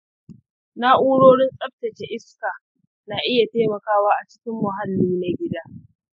na’urorin tsaftace iska na iya taimakawa a cikin muhalli na gida.